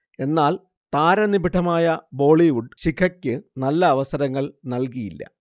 എന്നാൽ, താരനിബിഢമായ ബോളിവുഡ് ശിഖയ്ക്ക് നല്ല അവസരങ്ങൾ നൽകിയില്ല